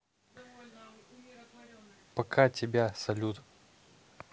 пока тебя салют